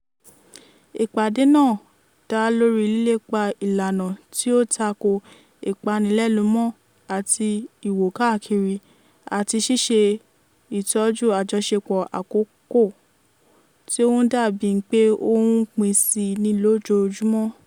Ìpàdé náà dá lórí lílépa ìlànà tí ó tako ìpanilẹ́numọ́ àti ìwò káàkiri, àti ṣíṣe ìtọ́jú àjọṣepọ̀ àkókò tí ó ń dà bí pé ó ń pín sí í ní ojoojúmọ́.